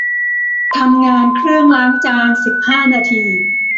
ทำงานเครื่องล้างจานสิบห้านาที